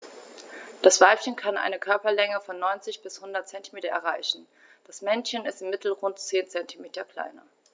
Das Weibchen kann eine Körperlänge von 90-100 cm erreichen; das Männchen ist im Mittel rund 10 cm kleiner.